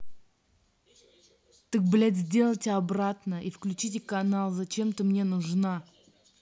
так блядь сделайте обратно и включите канал зачем ты мне нужна